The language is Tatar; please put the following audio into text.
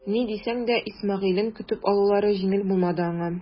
Ни дисәң дә Исмәгыйлен көтеп алулары җиңел булмады аңа.